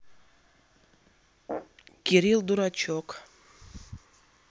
кирилл дурачок